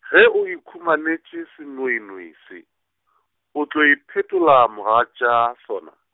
ge o ikhumanetše senoinoi se, o tlo iphetola mogatša sona?